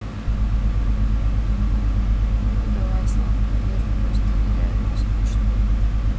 ну давай славка мир просто нереально скучно